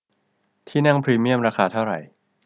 ที่นั่งพรีเมี่ยมราคาเท่าไหร่